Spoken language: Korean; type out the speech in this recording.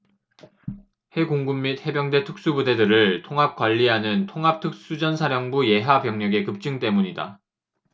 해 공군및 해병대 특수부대들을 통합 관리하는 통합특수전사령부 예하 병력의 급증 때문이다